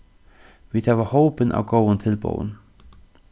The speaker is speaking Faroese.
vit hava hópin av góðum tilboðum